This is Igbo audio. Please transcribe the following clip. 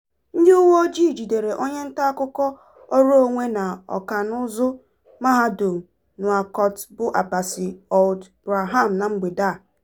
Ndị uwe ojii jidere onye ntaakụkọ ọrụnonwe na Ọkankuzi Mahadum Nouakchott bụ Abbass Ould Braham na mgbede a.